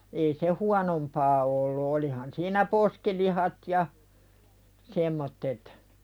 ei se huonompaa ollut olihan siinä poskilihat ja semmoiset